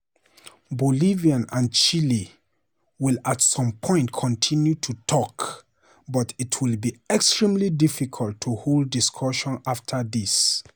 Bolivia and Chile will at some point continue to talk, but it will be extremely difficult to hold discussions after this.